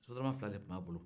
sotarama fila de tun b'a bolo